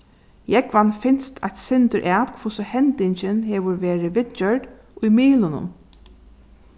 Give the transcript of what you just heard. jógvan finst eitt sindur at hvussu hendingin hevur verið viðgjørd í miðlunum